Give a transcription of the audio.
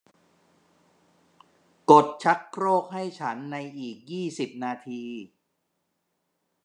กดชักโครกให้ฉันในอีกยี่สิบนาที